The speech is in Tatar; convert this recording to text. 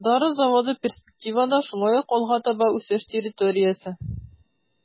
Дары заводы перспективада шулай ук алга таба үсеш территориясе.